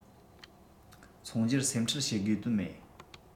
འཚོང རྒྱུར སེམས ཁྲལ བྱེད དགོས དོན མེད